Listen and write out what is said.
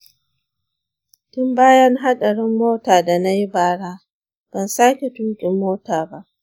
tun bayan hadarin mota da na yi bara, ban sake tukin mota ba.